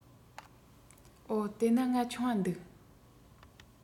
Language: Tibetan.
འོ དེས ན ང ཆུང བ འདུག